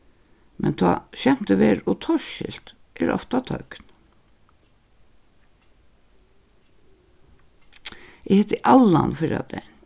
men tá skemtið verður ov torskilt er ofta tøgn eg hitti allan fyrradagin